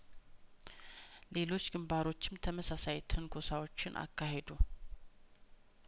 ሌሎች ግንባሮችም ተመሳሳይ ትንኮሳዎችን አካሄዱ